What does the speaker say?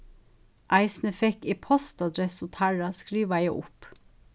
eisini fekk eg postadressu teirra skrivaða upp